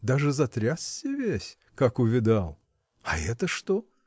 Даже затрясся весь, как увидал! А это что?